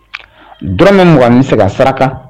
Dɔ bɛ mɔgɔ min sɛgɛn ka saraka